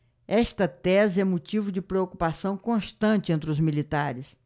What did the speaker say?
esta tese é motivo de preocupação constante entre os militares